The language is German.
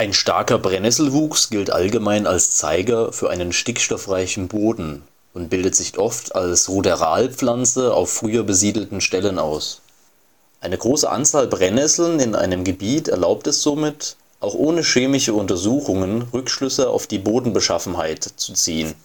starker Brennnesselwuchs gilt allgemein als Zeiger für einen stickstoffreichen Boden und bildet sich oft als Ruderalpflanze auf früher besiedelten Stellen aus. Eine große Anzahl Brennnesseln in einem Gebiet erlaubt es somit, auch ohne chemische Untersuchungen, Rückschlüsse auf die Bodenbeschaffenheit zu ziehen